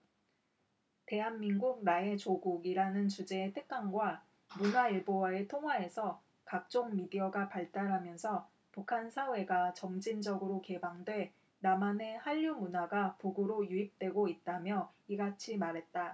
대한민국 나의 조국이라는 주제의 특강과 문화일보와의 통화에서 각종 미디어가 발달하면서 북한 사회가 점진적으로 개방돼 남한의 한류 문화가 북으로 유입되고 있다며 이같이 말했다